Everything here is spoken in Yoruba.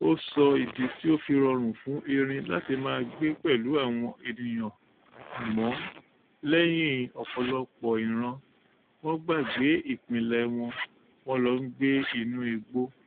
Ó sọ ìdí tí ó fi rọrùn fún erin láti máa gbé pẹ̀lú àwọn ènìyàn àmọ́, lẹ́yìn ọ̀pọ̀lọpọ̀ ìran, wọ́n gbàgbé ìpìlẹ̀ wọn, wọ́n lọ ń gbé nínú igbó.